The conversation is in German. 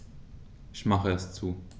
Ich mache es zu.